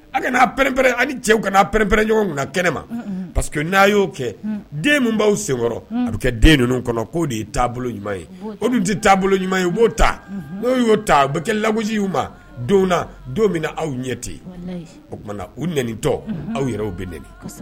A ka n'a pɛ-pɛrɛn ni cɛw ka n' pɛrɛnpɛ ɲɔgɔn kɛnɛ ma paseke que n'a y'o kɛ den min b' senkɔrɔ a bɛ kɛ den ninnu kɔnɔ k'o de ye taabolo ɲuman ye o tɛ taabolo ɲuman ye u b'o ta n' y'o ta u bɛ kɛ labusi ma don na don min na aw ɲɛ ten o tumaumana u n tɔ aw yɛrɛ u bɛ n